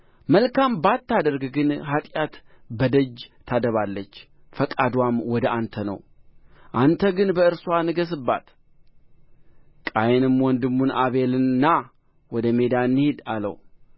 መልካም ባታደርግ ግን ኃጢአት በደጅ ታደባለች ፈቃድዋም ወደ አንተ ነው አንተ ግን በእርስዋ ንገሥባት ቃየንም ወንድሙን አቤልን ና ወደ ሜዳ እንሂድ አለው